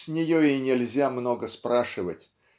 с нее и нельзя много спрашивать